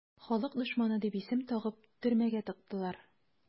"халык дошманы" дип исем тагып төрмәгә тыктылар.